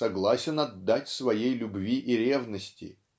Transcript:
согласен отдать своей любви и ревности.